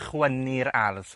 chwynnu'r ardd,